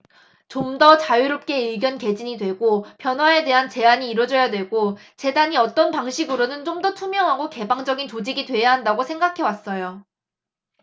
좀더 자유롭게 의견 개진이 되고 변화에 대한 제안이 이뤄져야 되고 재단이 어떤 방식으로든 좀 더 투명하고 개방적인 조직이 돼야 한다고 생각해 왔어요